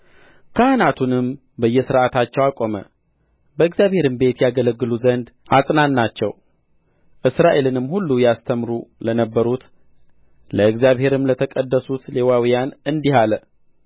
ካህናቱንም በየሥርዓታቸውም አቆመ በእግዚአብሔርም ቤት ያገለግሉ ዘንድ አጸናቸው እስራኤልንም ሁሉ ያስተምሩ ለነበሩት ለእግዚአብሔርም ለተቀደሱት ሌዋውያን እንዲህ አለ